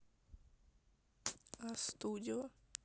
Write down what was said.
а студио